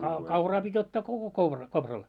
- kauraa piti ottaa koko koura kopralla